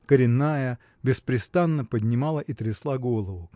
Коренная беспрестанно поднимала и трясла голову.